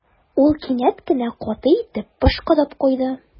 Ул кинәт кенә каты итеп пошкырып куйды.